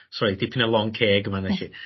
sori dipyn o lond ceg yn ma 'na i chi.